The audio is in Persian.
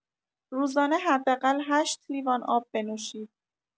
روزانه حداقل ۸ لیوان آب بنوشید.